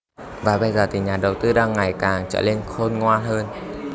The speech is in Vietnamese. và bây giờ thì nhà đầu tư đang ngày càng trở nên khôn ngoan hơn